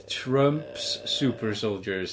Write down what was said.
Trump's Super Soldiers.